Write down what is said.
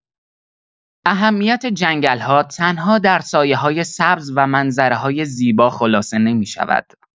اهمیت جنگل‌ها تنها در سایه‌‌های سبز و منظره‌های زیبا خلاصه نمی‌شود.